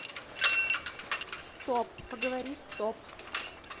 стоп поговори стоп